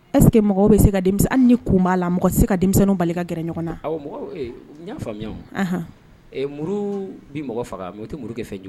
Ɛsseke mɔgɔw bɛ se ka denmisɛnnin ni kun b'a la mɔgɔ tɛ se ka denmisɛnnin bali ka gɛrɛ ɲɔgɔn na bɛ mɔgɔ faga tɛ fɛ